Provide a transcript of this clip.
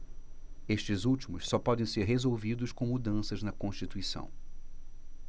estes últimos só podem ser resolvidos com mudanças na constituição